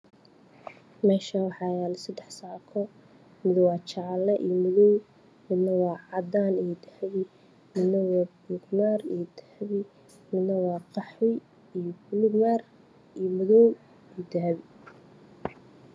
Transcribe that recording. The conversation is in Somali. Meeshaan waxaa yaalo sadex saako mid wa jaalo iyo madow mid waa cadaan iyo dahabi midna waa buluug mari iyo dahabi waa qaxwi iyo madow iyo dahabi